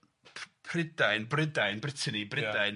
Prydain, Brydain, Brittany, Brydain,